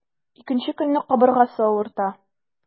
Икенче көнне кабыргасы авырта.